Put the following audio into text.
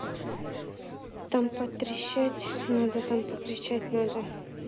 там под потрещать надо там покричать надо